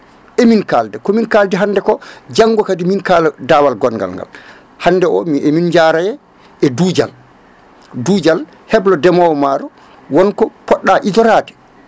emin kalda komin kaldi hande ko janggo kadi min kaala daawal gongal ngal hande o emin jaaray e duujal duujal heblo ndemowo maaro wonko poɗɗa idorade